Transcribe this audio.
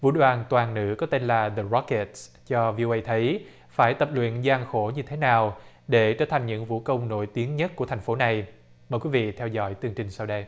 vũ đoàn toàn nữ có tên là dờ roắc kịt cho vi ô ây thấy phải tập luyện gian khổ như thế nào để trở thành những vũ công nổi tiếng nhất của thành phố này mời quý vị theo dõi tường trình sau đây